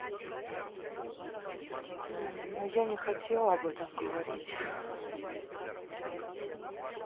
ну я не хотела об этом говорить